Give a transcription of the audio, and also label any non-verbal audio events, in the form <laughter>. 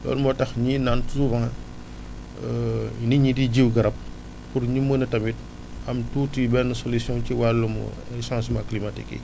loolu moo tax ñii naan souvent <hesitation> nit ñi di jiw garab pour ñu mën a tamit am tuuti benn solution ci wàllum <hesitation> changement cliamatique yi